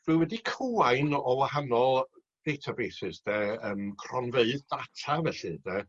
rwy wedi cywain o wahanol databases 'de yym cronfeydd data felly ynde...